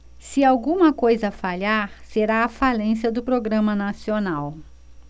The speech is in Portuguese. se alguma coisa falhar será a falência do programa nacional